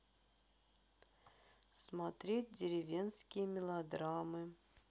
смотреть деревенские мелодрамы